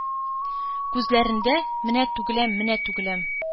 Күзләрендә – менә түгеләм, менә түгеләм